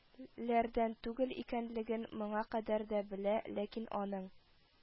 Ләрдән түгел икәнлеген моңа кадәр дә белә, ләкин аның